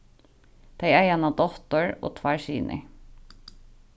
tey eiga eina dóttir og tveir synir